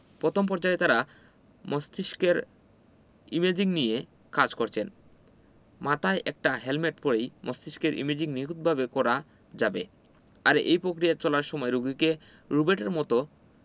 পথম পর্যায়ে তারা মস্তিষ্কের ইমেজিং নিয়ে কাজ করছেন মাথায় একটা হেলমেট পরেই মস্তিষ্কের ইমেজিং নিখুঁতভাবে করা যাবে আর এই পক্রিয়া চলার সময় রোগীকে রোবেটের মতো